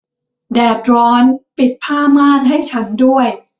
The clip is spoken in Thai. แดดร้อนปิดผ้าม่านให้ฉันด้วย